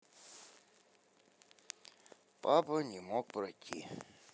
папа не мог пройти